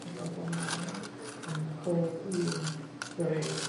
petha gwahanol ond ma' pob un rôl